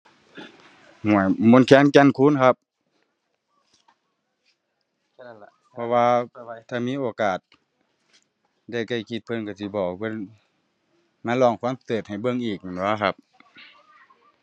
ฮ้วย มนต์แคน แก่นคูนครับ แค่นั้นล่ะ เพราะว่า ไวไว ถ้ามีโอกาสได้ใกล้ชิดเพิ่นก็สิบอกเพิ่นมาร้องคอนเสิร์ตให้เบิ่งอีกนั่นตั่วครับ